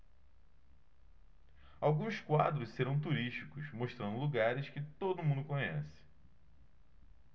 alguns quadros serão turísticos mostrando lugares que todo mundo conhece